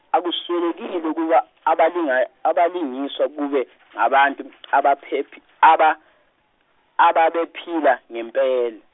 akuswelekile ukuba abaling- abalingiswa kube ngabantu abapheph- aba- ababephila, ngempela.